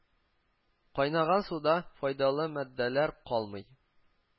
Кайнаган суда файдалы матдәләр калмый